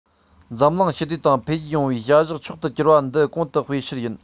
འཛམ གླིང ཞི བདེ དང འཕེལ རྒྱས ཡོང བའི བྱ གཞག མཆོག ཏུ གྱུར པ འདི གོང དུ སྤེལ ཕྱིར ཡིན